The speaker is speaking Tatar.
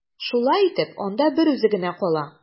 Шулай итеп, анда берүзе генә кала.